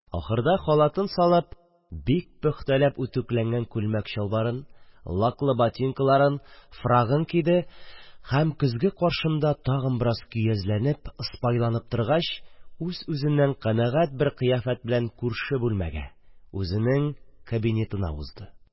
Ахырда, халатын салып, бик пөхтәләп үтүкләнгән күлмәк-чалбарын, лаклы ботинкаларын, фрагын киде һәм көзге каршында тагын бераз көязләнеп, ыспайланып торгач, үз-үзеннән канәгать бер кыяфәт белән күрше бүлмәгә – үзенең кабинетына узды.